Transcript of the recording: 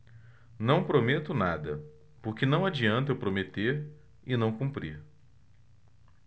não prometo nada porque não adianta eu prometer e não cumprir